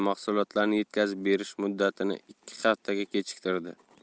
mahsulotlarni yetkazib berish muddatini ikki haftaga kechiktirdi